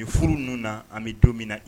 Ni furu ninnu na an bɛ donmina